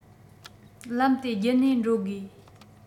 ལམ དེ བརྒྱུད ནས འགྲོ དགོས